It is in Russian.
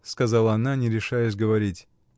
— сказала она, не решаясь говорить.